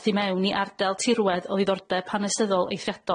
a thu mewn i ardal tirwedd o ddiddordeb hanesyddol eithriadol